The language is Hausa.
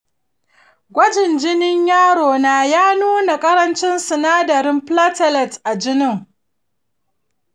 gwajin jinin yaro na ya nuna ƙarancin sinadarin platelets a jinin